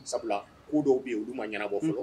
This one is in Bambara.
Sabula ko dɔw bɛ yen olu ma ɲɛnabɔ fɔlɔ